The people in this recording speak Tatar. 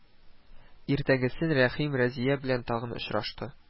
Иртәгесен Рәхим Разия белән тагын очрашты